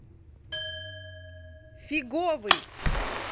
фиговый